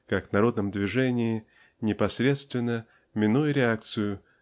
как народном движении непосредственно минуя реакцию